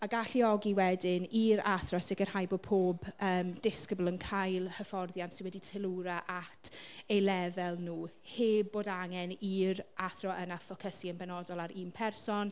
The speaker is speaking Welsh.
A galluogi wedyn i'r athro sicrhau bod pob yym disgybl yn cael hyfforddiant sy wedi teilwra at eu lefel nhw heb bod angen i'r athro yna ffocysu yn benodol ar un person.